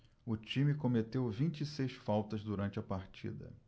o time cometeu vinte e seis faltas durante a partida